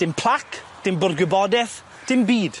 Dim plac, dim bwr' gwybodeth, dim byd.